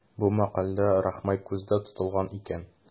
Бу мәкаләдә Рахмай күздә тотылган икән.